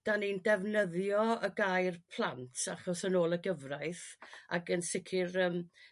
dan ni'n defnyddio y gair plant achos yn ôl y gyfraith ac yn sicr yrm